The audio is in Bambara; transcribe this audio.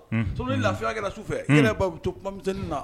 Solon ni lafiya kɛra su fɛ e yɛrɛ tonin na